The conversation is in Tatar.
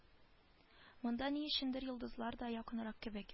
Монда ни өчендер йолдызлар да якынрак кебек